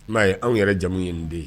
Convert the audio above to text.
I man ye anw yɛrɛ jamu ye nin den ye.